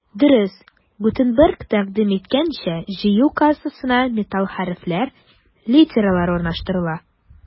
Дөрес, Гутенберг тәкъдим иткәнчә, җыю кассасына металл хәрефләр — литералар урнаштырыла.